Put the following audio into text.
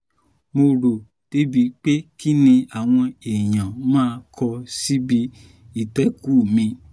Mo ròó débi pé kí ni àwọn èèyàn máa kọ síbi ìtẹ́kùú mi?